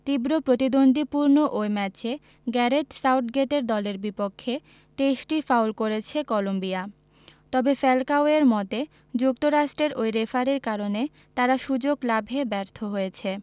তীব্র প্রতিদ্বন্দ্বিপূর্ণ ওই ম্যাচে গ্যারেথ সাউথগেটের দলের বিপক্ষে ২৩টি ফাউল করেছে কলম্বিয়া তবে ফ্যালকাওয়ের মতে যুক্তরাষ্ট্রের ওই রেফারির কারণে তারা সুযোগ লাভে ব্যর্থ হয়েছে